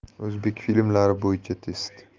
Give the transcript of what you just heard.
o'zbek filmlari bo'yicha test